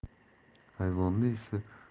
ayvonda esa uchta